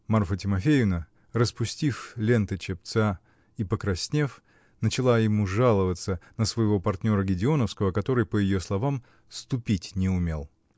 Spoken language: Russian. Марфа Тимофеевна, распустив ленты чепца и покраснев, начала ему жаловаться на своего партнера Гедеоновского, который, по ее словам, ступить не умел.